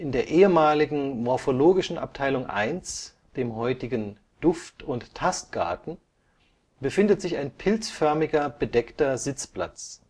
der ehemaligen „ Morphologischen Abteilung I “, dem heutigen „ Duft - und Tastgarten “, befindet sich ein pilzförmiger bedeckter Sitzplatz